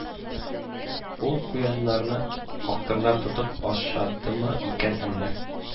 Ул куяннарны Актырнак тотып ашадымы икән әллә